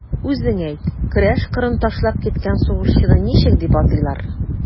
Үзең әйт, көрәш кырын ташлап киткән сугышчыны ничек дип атыйлар?